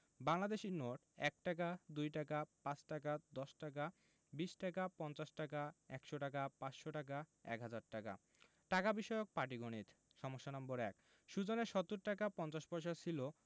Bangladeshi note ১ টাকা ২ টাকা ৫ টাকা ১০ টাকা ২০ টাকা ৫০ টাকা ১০০ টাকা ৫০০ টাকা ১০০০ টাকা টাকা বিষয়ক পাটিগনিতঃ সমস্যা নম্বর১ সুজনের ৭০ টাকা ৫০ পয়সা ছিল